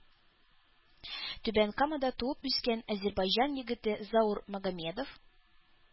Түбән Камада туып-үскән әзербайҗан егете Заур Магомедов